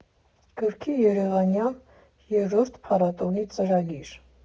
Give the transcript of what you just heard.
Գրքի երևանյան երրորդ փառատոնի ծրագիր։